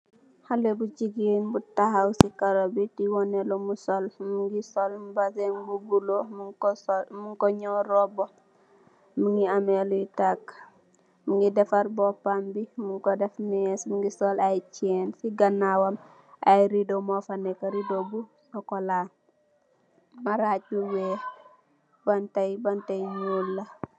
Haleh bu jegain bu tahaw se karou be de wane lum sol muge sol bazin bu bulo mugku sol mugku nyaw rouba muge ameh luy taka muge defarr bopambe mugku def mess muge sol aye chin se ganawam aye redou mufa neka redou bu sukola marage bu weex banta ye banta yu nuul la.